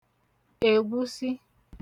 ègwusi